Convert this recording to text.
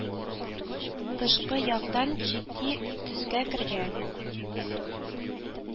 Тышкы яктан Җитди төскә кергән